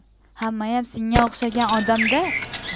hammayam senga o'xshagan odam da